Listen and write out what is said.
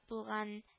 Булган